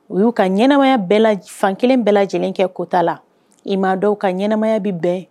U yu ka ɲɛnɛmaya fankelen bɛɛ lajɛlen kɛ kota la . I ma ye dɔw ka ɲɛnɛmaya bi bɛn